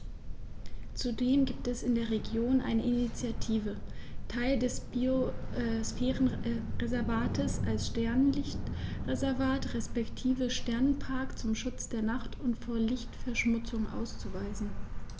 Zudem gibt es in der Region eine Initiative, Teile des Biosphärenreservats als Sternenlicht-Reservat respektive Sternenpark zum Schutz der Nacht und vor Lichtverschmutzung auszuweisen.